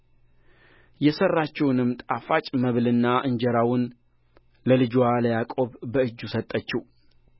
የሠራችውን ጣፋጭ መብልና እንጀራውን ለልጅዋ ለያዕቆብ በእጁ ሰጠችው